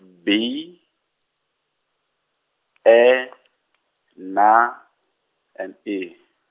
B, E, N, and I.